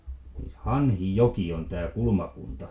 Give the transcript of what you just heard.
siis Hanhijoki on tämä kulmakunta